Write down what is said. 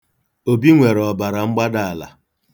Obi nwere ọbaramgbadaala.